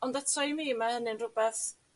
Ond eto i mi mae 'ynny'n rhywbeth